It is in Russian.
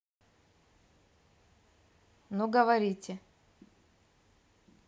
ну говорите